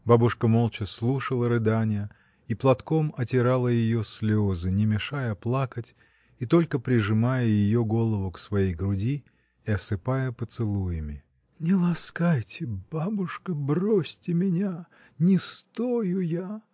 Бабушка молча слушала рыдания и платком отирала ее слезы, не мешая плакать и только прижимая ее голову к своей груди и осыпая поцелуями. — Не ласкайте, бабушка. бросьте меня. не стою я.